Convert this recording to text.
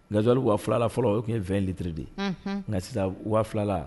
Nkazli filala fɔlɔ o tun ye fɛnlitirire de ye nka sisan wa filala